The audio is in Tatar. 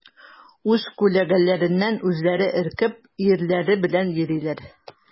Үз күләгәләреннән үзләре өркеп, өерләре белән йөриләр.